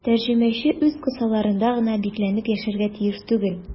Тәрҗемәче үз кысаларында гына бикләнеп яшәргә тиеш түгел.